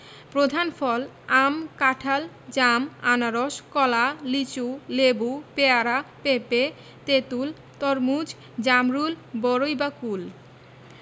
প্রধান ফলঃ আম কাঁঠাল জাম আনারস কলা লিচু লেবু পেয়ারা পেঁপে তেঁতুল তরমুজ জামরুল বরই বা কুল